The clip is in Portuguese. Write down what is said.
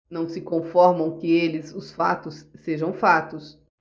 não se conformam que eles os fatos sejam fatos